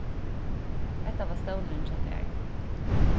hetta var stólurin hjá tær